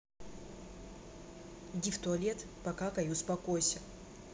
иди в туалет покакай успокойся